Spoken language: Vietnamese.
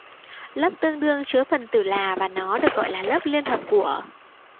lớp tương đương chứa phần tử là và nó được gọi là lớp liên hợp của